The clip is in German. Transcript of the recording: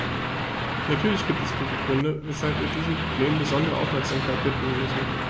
Natürlich gibt es gute Gründe, weshalb wir diesem Problem besondere Aufmerksamkeit widmen müssen.